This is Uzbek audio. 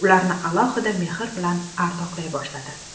ularni alohida mehr bilan ardoqlayboshladi